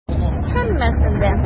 Һәммәсен дә.